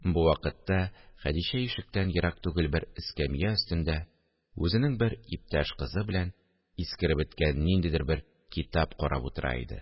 Бу вакытта Хәдичә ишектән ерак түгел бер эскәмия өстендә үзенең бер иптәш кызы белән искереп беткән ниндидер бер китап карап утыра иде